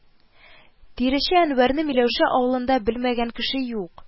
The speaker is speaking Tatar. Тирече Әнвәрне Миләүшә авылында белмәгән кеше юк